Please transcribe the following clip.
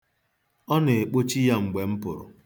Ọ na-ekpochi ya mgbe m pụrụ.